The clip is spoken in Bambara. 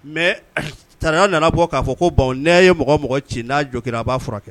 Mɛ ta nana bɔ k'a fɔ ko ne ye mɔgɔ mɔgɔ ci n' jɔna a b'a furakɛ kɛ